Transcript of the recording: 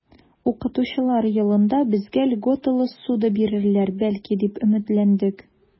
Укытучылар елында безгә льготалы ссуда бирерләр, бәлки, дип өметләндек.